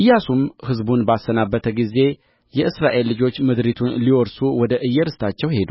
ኢያሱም ሕዝቡን ባሰናበተ ጊዜ የእስራኤል ልጆች ምድሪቱን ሊወርሱ ወደ እየርስታቸው ሄዱ